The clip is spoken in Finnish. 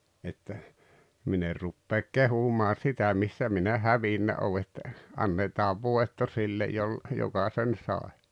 että minä en rupea kehumaan sitä missä minä hävinnyt olen että annetaan voitto sille - joka sen sai